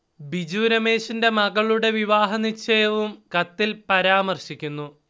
ബിജു രമേശിന്റെ മകളുടെ വിവാഹ നിശ്ഛയവും കത്തിൽ പരാമർശിക്കുന്നു